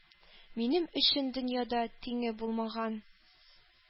— минем өчен дөньяда тиңе булмаган,